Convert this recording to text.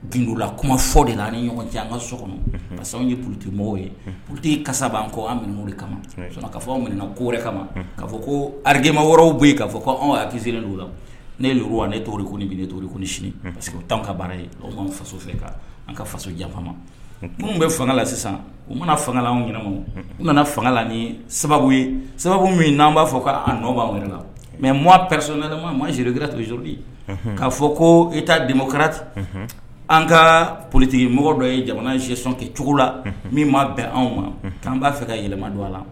Gdola kuma fɔ de la ni ɲɔgɔn cɛ an ka so kɔnɔ ka anw ye purte mɔgɔw ye pte kasa b'an kɔ an o de kama ka fɔ anw min na ko kama kaa fɔ ko ararikikema wɛrɛraw bɛ yen'a fɔ ko anw hakizsiri' la ne wa ne to kɔni bi ne to kɔni sini parce que o tan ka baara ye o ka faso fɛ an ka faso janfama minnu bɛ fanga la sisan u mana fanga an ɲɛna u nana fanga la ni sababu ye sababu min n'an b'a fɔ k'an nɔ b'an yɛrɛ la mɛ mɔ psɔntɛma makansera tu bɛ surudi k'a fɔ ko i t' denmusokarati an ka politigi mɔgɔ dɔ ye jamana sisɔn kɛ cogo la min ma bɛn anw ma k'an b'a fɛ ka yɛlɛma don a la